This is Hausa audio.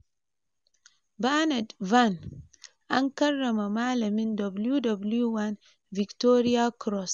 Bernard Vann: An karrama malamin WW1 victoria cross